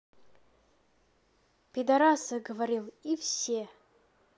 пидарасы говорил и все